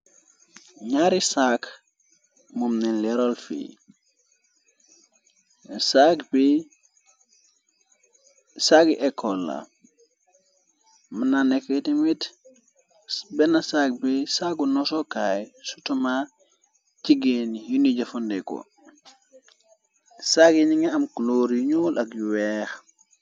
Ñaari saak moomnen lerol fikbsaggi ekolla mën na nekk itmit benn sak bi saggu nosookaay sutoma jigeeni yunu jëfandeko saggi ni nga am klór yu ñool ak yu weex.